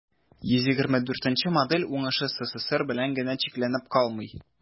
124 нче модель уңышы ссср белән генә чикләнеп калмый.